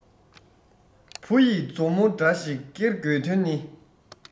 བུ ཡི མཛུབ མོ འདྲ ཞིག ཀེར དགོས དོན ནི